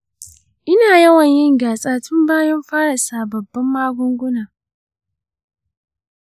ina yawan yin gyatsa tun bayan fara sababbin magunguna.